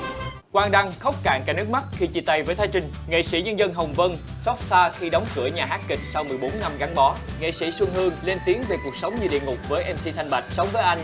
quang đăng khóc cạn cả nước mắt khi chia tay với thái trinh nghệ sĩ nhân dân hồng vân xót xa khi đóng cửa nhà hát kịch sau mười bốn năm gắn bó nghệ sĩ xuân hương lên tiếng về cuộc sống như địa ngục với em xi thanh bạch sống với anh